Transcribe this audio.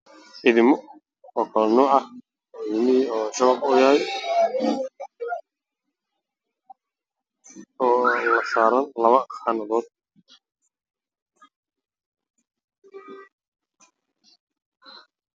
Waa dabqaad midadkiisu yahay caddaan